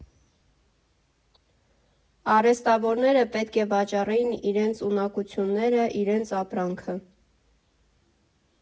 Արհեստավորները պետք է վաճառեին իրենց ունակությունները, իրենց ապրանքը։